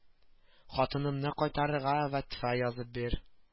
Хатынымны кайтарырга фәтва язып бир